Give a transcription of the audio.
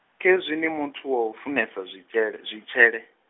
khezwi ni muthu wau funesa zwitshel-, zwitshele.